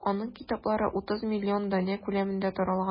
Аның китаплары 30 миллион данә күләмендә таралган.